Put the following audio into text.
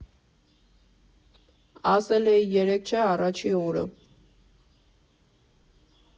Ասել էի երեկ չէ առաջի օրը։